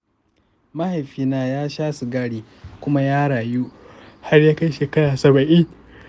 mahaifina ya sha sigari kuma ya rayu har ya kai shekara saba'in